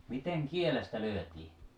miten kielestä lyötiin